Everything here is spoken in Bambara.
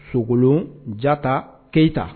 Sogo jata keyita